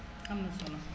am na solo